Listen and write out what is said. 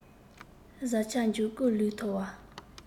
གཟའ ཁྱབ འཇུག སྐུ ལུས ཐོར བ